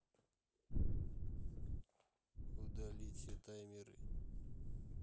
удалить все таймеры